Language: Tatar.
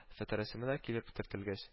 Фоторәсеменә килеп төртелгәч